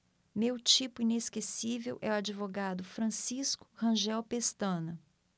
meu tipo inesquecível é o advogado francisco rangel pestana